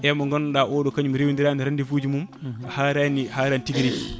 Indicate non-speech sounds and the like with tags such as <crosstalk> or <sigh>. e mo ganduɗa oɗo kañum rewidirano rendez-vous ji mum harani harani tigui rigui <clears throat>